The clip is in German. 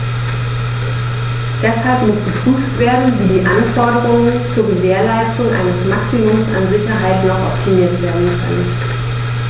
Deshalb muss geprüft werden, wie die Anforderungen zur Gewährleistung eines Maximums an Sicherheit noch optimiert werden können.